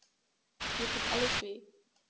Mir tut alles weh.